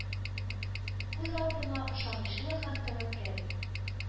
Күз алдыма ышанычлы hәм тәвәккәл.